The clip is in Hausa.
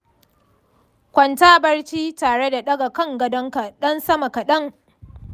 kwanta barci tare da ɗaga kan gadonka ɗan sama kaɗan.